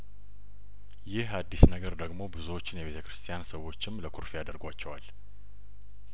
ይህ አዲስ ነገር ደግሞ ብዙዎችን የቤተ ክርስቲያን ሰዎችም ለኩርፊያዳርጓቸዋል